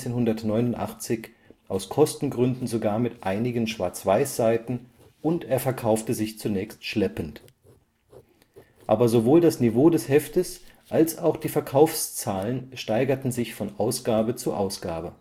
11/1989 aus Kostengründen sogar mit einigen Schwarzweiß-Seiten und er verkaufte sich zunächst schleppend. Aber sowohl das Niveau des Heftes als auch die Verkaufszahlen steigerten sich von Ausgabe zu Ausgabe